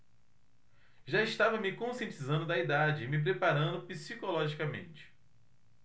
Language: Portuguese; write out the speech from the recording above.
já estava me conscientizando da idade e me preparando psicologicamente